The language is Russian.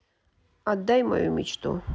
отдай мою мечту